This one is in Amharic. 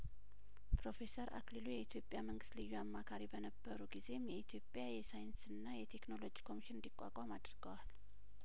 ፕሮፌሰር አክሊሉ የኢትዮጵያ መንግስት ልዩ አማካሪ በነበሩ ጊዜም የኢትዮጵያ የሳይንስና የቴክኖሎጂ ኮሚሽን እንዲቋቋም አድርገዋል